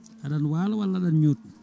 aɗa waalo walla aɗana Nioute